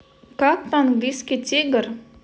как по английски тигр